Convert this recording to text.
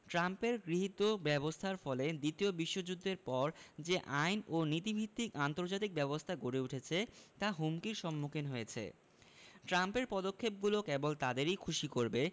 ট্রাম্পের গৃহীত ব্যবস্থার ফলে দ্বিতীয় বিশ্বযুদ্ধের পর যে আইন ও নীতিভিত্তিক আন্তর্জাতিক ব্যবস্থা গড়ে উঠেছে তা হুমকির সম্মুখীন হয়েছে ট্রাম্পের পদক্ষেপগুলো কেবল তাদেরই খুশি করবে